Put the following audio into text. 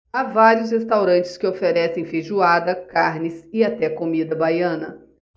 há vários restaurantes que oferecem feijoada carnes e até comida baiana